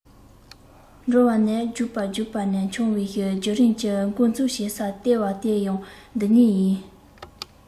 འགྲོ བ ནས རྒྱུག པ རྒྱུག པ ནས མཆོང བའི རྒྱུད རིམ གྱི མགོ འཛུགས བྱེད ས ལྟེ བ དེ ཡང འདི ཉིད ཡིན